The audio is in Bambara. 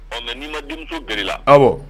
' ma denmuso g la aw